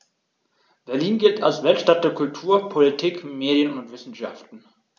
Berlin gilt als Weltstadt der Kultur, Politik, Medien und Wissenschaften.